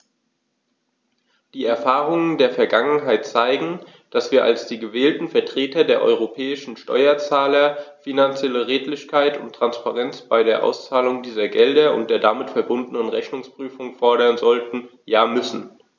Die Erfahrungen der Vergangenheit zeigen, dass wir als die gewählten Vertreter der europäischen Steuerzahler finanzielle Redlichkeit und Transparenz bei der Auszahlung dieser Gelder und der damit verbundenen Rechnungsprüfung fordern sollten, ja müssen.